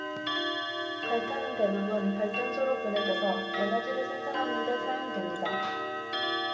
갈탄은 대부분 발전소로 보내져서 에너지를 생산하는 데 사용됩니다